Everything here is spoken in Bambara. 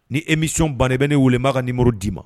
Ni émission ban na i bɛ ne wele n b'a ka numéro d'i ma.